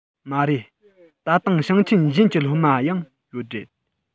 མ རེད ད དུང ཞིང ཆེན གཞན གྱི སློབ མ ཡང ཡོད རེད